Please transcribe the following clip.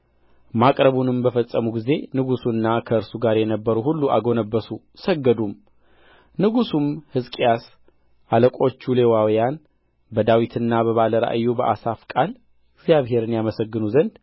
ማቅረቡንም በፈጸሙ ጊዜ ንጉሡና ከእርሱ ጋር የነበሩ ሁሉ አጐነበሱ ሰገዱም ንጉሡም ሕዝቅያስና አለቆቹ ሌዋውያንን በዳዊትና በባለ ራእዩ በአሳፍ ቃል እግዚአብሔርን ያመሰግኑ ዘንድ